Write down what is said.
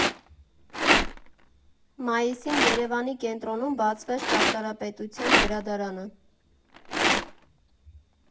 Մայիսին Երևանի կենտրոնում բացվեց Ճարտարապետության գրադարանը։